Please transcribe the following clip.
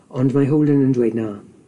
Ond mae Holden yn dweud na.